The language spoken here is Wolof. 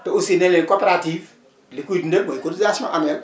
te aussi ne leen coopérative li koy dundal mooy cotisation annuelle